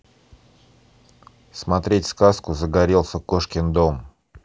смотреть сказку загорелся кошкин дом